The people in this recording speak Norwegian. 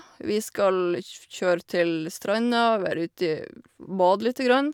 Vi skal kj kjøre til stranda, være uti bade lite grann.